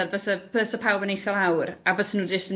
o amser byse byse pawb yn eistedd lawr, a byse nhw jyst